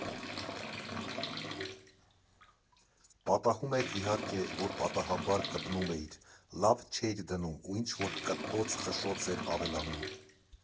Պատահում էր, իհարկե, որ պատահաբար կպնում էիր, լավ չէիր դնում ու ինչ֊որ կտտոց֊խշշոց էր ավելանում։